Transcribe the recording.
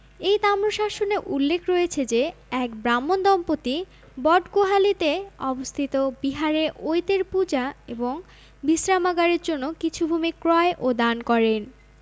এই তাম্রশাসনে উল্লেখ রয়েছে যে এক ব্রাহ্মণ দম্পতি বটগোহালীতে অবস্থিত বিহারে অইতের পূজা এবং বিশ্রামাগারের জন্য কিছু ভূমি ক্রয় ও দান করেন